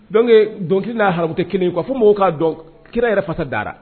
Dɔnkuke dɔnkili n'a hate kelena fɔ mɔgɔw k'a dɔn kira yɛrɛ fasa dara